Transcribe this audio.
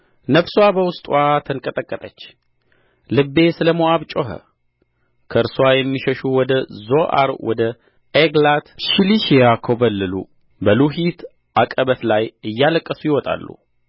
ነፍስዋ በውስጥዋ ተንቀጠቀጠች ልቤ ስለ ሞዓብ ጮኸ ከእርስዋም የሚሸሹ ወደ ዞዓር ወደ ዔግላት ሺሊሺያ ኰበለሉ በሉሒት ዓቀበት ላይ እያለቀሱ ይወጣሉ